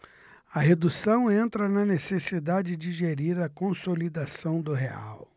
a redução entra na necessidade de gerir a consolidação do real